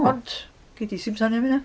Ond, gei di simsanu am hynna?